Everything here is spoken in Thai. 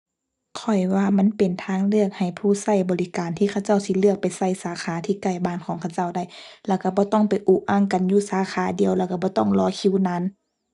ข้อยว่ามันเป็นทางเลือกให้ผู้ใช้บริการที่เขาเจ้าสิเลือกไปใช้สาขาที่ใกล้บ้านของเขาเจ้าได้ แล้วใช้บ่ต้องไปอุกอั่งกันอยู่สาขาเดียว แล้วใช้บ่ต้องรอคิวนาน